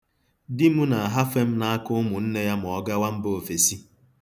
Di m na-ahafe m n'aka ụmụnne ya ma ọ gawa mba ofesi.